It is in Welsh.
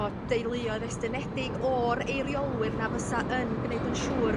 o deuluoedd estynedig o'r eiriolwyr na fysa yn g'neud yn siŵr